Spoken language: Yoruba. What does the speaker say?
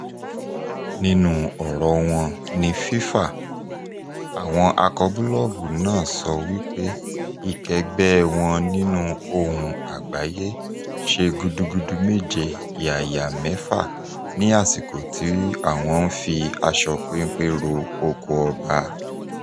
Nínú ọ̀rọ̀ wọn ní FIFA, àwọn akọbúlọ́ọ̀gù náà sọ wípé ìkẹ́gbẹ́ẹ wọn nínú Ohùn Àgbáyé ṣe gudugudu méje yàyà mẹ́fà ní àsìkò tí àwọn ń fi aṣọ pénpé ro oko ọba.